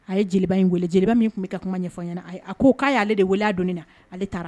A ye jeliba in wele jeliba min tun bɛ ka kuma ɲɛfɔ ɲɛna a a ko k'a'ale de weleya don na ale taara